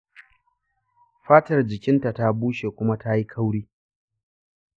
fatar jikinta ta bushe kuma ta yi kauri.